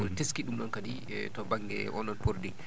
mbaɗa teskii ɗum ɗoon kadi e to baŋnge oo ɗon produit